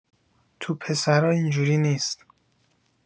تو پسرا اینجوری نیست